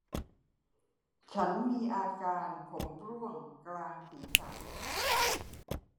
ฉันมีอาการผมร่วงกลางศีรษะ